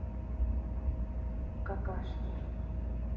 какашки